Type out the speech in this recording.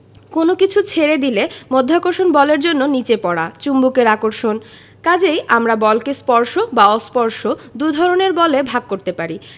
কোনো কিছু ছেড়ে দিলে মাধ্যাকর্ষণ বলের জন্য নিচে পড়া চুম্বকের আকর্ষণ কাজেই আমরা বলকে স্পর্শ এবং অস্পর্শ দুই ধরনের বলে ভাগ করতে পারি